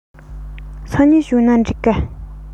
སང ཉིན བྱུང ན འགྲིག ག